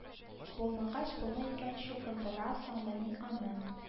Булмагач булмый икән чукындырасыңмыни аны